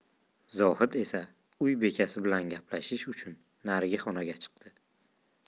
zohid esa uy bekasi bilan gaplashish uchun narigi xonaga chiqdi